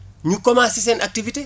ñu commencé seen activité